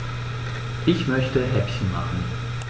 Ich möchte Häppchen machen.